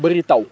bëri taw